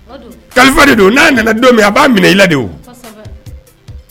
Kalifa de don n'a nana don min a b'a minɛ i la de o